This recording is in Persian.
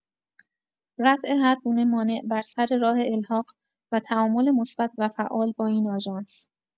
رفع هرگونه مانع بر سر راه الحاق و تعامل مثبت و فعال با این آژانس